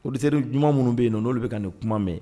Policière ɲuman munnu be yenn'ɔ n'olu be ka nin kuma mɛ